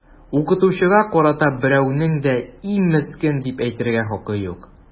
Укытучыга карата берәүнең дә “и, мескен” дип әйтергә хакы юк!